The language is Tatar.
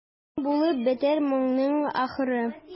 Ни булып бетәр моның ахыры?